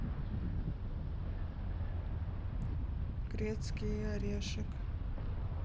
грецкий орешек